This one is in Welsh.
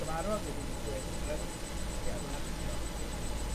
gyfarfod wedi digwydd yn, ia, hwnna dwi isio.